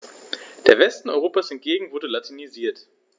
Der Westen Europas hingegen wurde latinisiert.